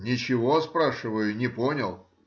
— Ничего,— спрашиваю,— не понял?